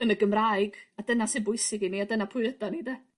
yn y Gymraeg a dyna sy'n bwysig i ni a dyna pwy ydan ni 'de?